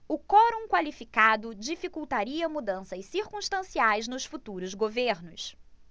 o quorum qualificado dificultaria mudanças circunstanciais nos futuros governos